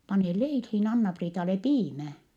pane leiliin Anna-Priitalle piimä